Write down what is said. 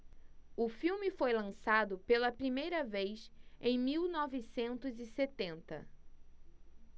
o filme foi lançado pela primeira vez em mil novecentos e setenta